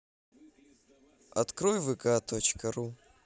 открой вк точка ру